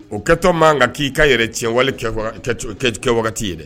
O kɛtɔ man kan k'i ka yɛrɛ tiɲɛwale wagati ye dɛ